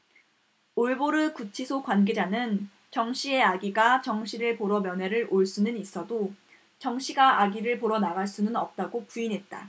올보르 구치소 관계자는 정 씨의 아기가 정 씨를 보러 면회를 올 수는 있어도 정 씨가 아기를 보러 나갈 수는 없다고 부인했다